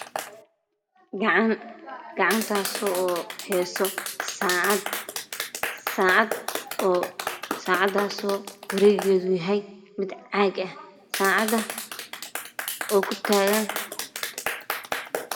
Gacan hayso saacad warewga yahay mid caag ah saacadda ku taagan